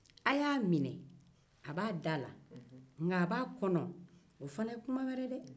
a y'a minɛ a b'a da la o ye tiɲɛ ye nk'a b'a kɔnɔ o ye ko wɛrɛ ye